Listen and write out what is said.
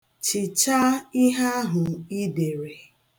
Chichaa ihe ahụ i dere.